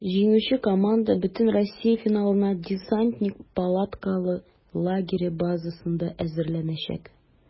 Җиңүче команда бөтенроссия финалына "Десантник" палаткалы лагере базасында әзерләнәчәк.